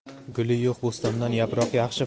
guli yo'q bo'stondan yaproq yaxshi